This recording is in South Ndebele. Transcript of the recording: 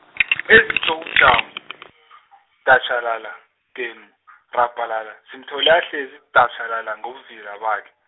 ezitjho ubujamo , datjhalala, genu, rabhalala, simthole ahlezi, datjhalala ngobuvila bakhe.